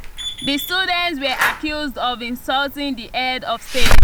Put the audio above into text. The students were accused of "insulting the head of state."